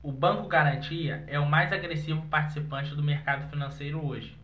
o banco garantia é o mais agressivo participante do mercado financeiro hoje